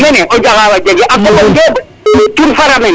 mene o Diakhao a jege a koɓo NDiob tim fara mene